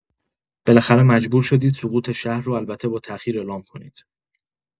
بالاخره مجبور شدید سقوط شهر رو البته با تاخیر اعلام کنید